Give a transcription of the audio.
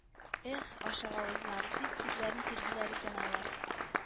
Эх, ачык авызлар, дип үзләрен тиргиләр икән агайлар